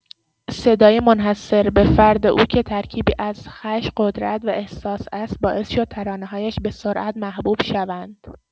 صدای منحصر به فرد او که ترکیبی از خش، قدرت و احساس است باعث شد ترانه‌هایش به‌سرعت محبوب شوند.